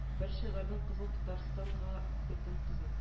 Бер шигыреңне кызыл татарстанга бирдем кызым